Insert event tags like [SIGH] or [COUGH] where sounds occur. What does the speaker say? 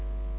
[HESITATION] [HESITATION]